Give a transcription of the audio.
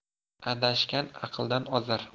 adashgan aqldan ozar